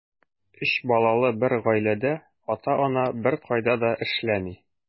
Өч балалы бер гаиләдә ата-ана беркайда да эшләми.